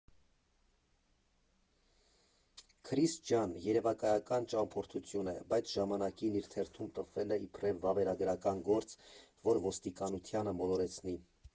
Քրիս ջան, երևակայական ճամփորդություն է, բայց ժամանակին իր թերթում տպվել է իբրև վավերագրական գործ, որ ոստիկանությանը մոլորեցնի։